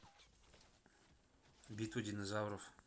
битва динозавров